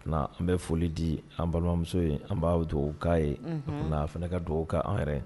An bɛ foli di an balimamuso ye an b'a bɛ dugawu' yea fana ka dugawu' an yɛrɛ